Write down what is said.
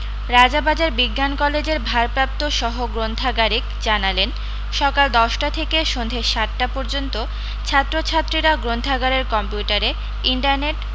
রাজাবাজার বিজ্ঞান কলেজের ভারপ্রাপ্ত সহ গ্রন্থাগারিক জানালেন সকাল দশটা থেকে সন্ধে সাতটা পর্যন্ত ছাত্রছাত্রীরা গ্রন্থাগারের কম্পিউটারে ইন্টারনেট